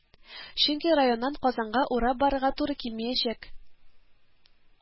Чөнки районнан Казанга урап барырга туры килмәячәк